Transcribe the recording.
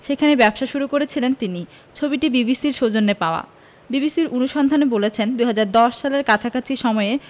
সেখানে ব্যবসা শুরু করেছিলেন তিনি ছবিটি বিবিসির সৌজন্যে পাওয়া বিবিসির অনুসন্ধান বলছে ২০১০ সালের কাছাকাছি সময়ে